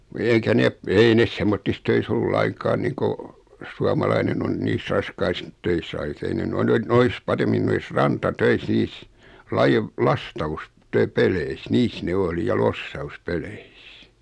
eikä ne ei ne semmoisissa töissä ollut lainkaan niin kuin suomalainen on niissä raskaissa töissä kaikissa ei ne noin en noissa paremmin noissa rantatöissä niissä -- lastauspeleissä niissä ne oli ja lossauspeleissä